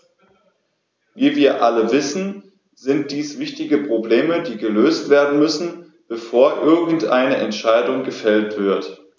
Wie wir alle wissen, sind dies wichtige Probleme, die gelöst werden müssen, bevor irgendeine Entscheidung gefällt wird.